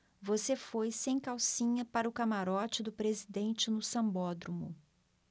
você foi sem calcinha para o camarote do presidente no sambódromo